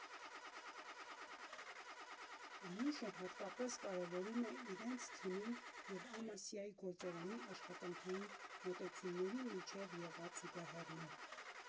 Անուշը հատկապես կարևորում է իրենց թիմի և Ամասիայի գործարանի աշխատանքային մոտեցումների միջև եղած զուգահեռները։